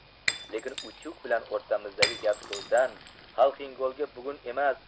lekin utyug bilan o'rtamizdagi gap so'zdan xalxingobga bugun emas